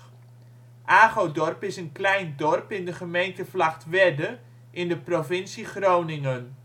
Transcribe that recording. Agodorp is een klein dorp in de gemeente Vlagtwedde in de provincie Groningen